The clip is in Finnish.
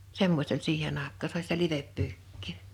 semmoista oli siihen aikaan se oli sitä livepyykkiä